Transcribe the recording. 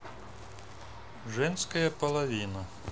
женская половина